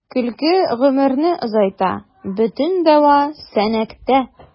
Көлке гомерне озайта — бөтен дәва “Сәнәк”тә.